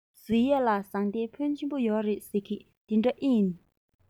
ཟེར ཡས ལ ཟངས གཏེར འཕོན ཆེན ཡོད རེད ཟེར གྱིས དེ འདྲ ཨེ ཡིན